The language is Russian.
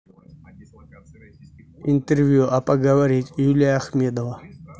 интервью а поговорить юлия ахмедова